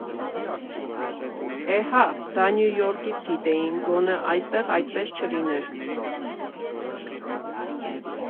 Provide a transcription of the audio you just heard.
Է հա՜, դա Նյու Յորքից գիտեինք, գոնե այստեղ այդպես չլիներ։